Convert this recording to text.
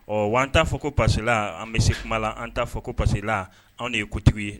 Ɔ wa an t'a fɔ ko passila an bɛ se kuma la an t'a fɔ ko pasila anw de yetigi ye